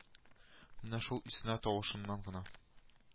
Менә шул иснәү тавышыннан гына